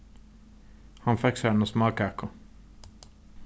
hann fekk sær eina smákaku